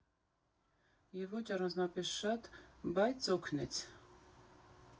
Եվ ոչ առանձնապես շատ, բայց օգնեց։